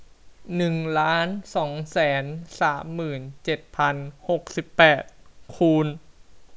หนึ่งล้านสองแสนสามหมื่นเจ็ดพันหกสิบแปดคูณ